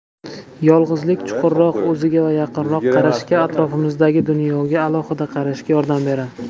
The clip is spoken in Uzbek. yolg'izlik chuqurroq o'ziga yaqinroq qarashga atrofimizdagi dunyoga alohida qarashga yordam beradi